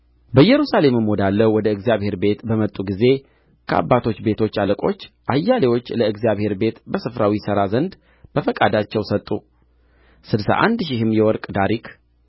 በኢየሩሳሌምም ወዳለው ወደ እግዚአብሔር ቤት በመጡ ጊዜ ከአባቶች ቤቶች አለቆች አያሌዎች ለእግዚአብሔር ቤት በስፍራው ይሠራ ዘንድ በፈቃዳቸው ሰጡ ስድሳ አንድ ሺህም የወርቅ ዳሪክ